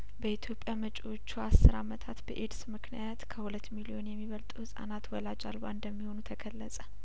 በኢትዮጵያ በመጪዎቹ አስር አመታት በኤድስ ምክንያት ከሁለት ሚሊዮን የሚበልጡ ህጻናት ወላጅ አልባ እንደሚሆኑ ተገለጸ